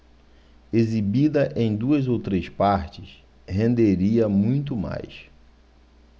exibida em duas ou três partes renderia muito mais